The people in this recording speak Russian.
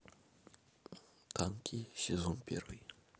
танки сезон первый